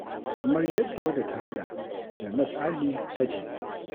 Kamar yadda wadda ta haɗa Jannat Ali ta ce: